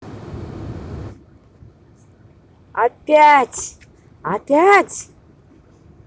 опять пять